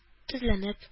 Тезләнеп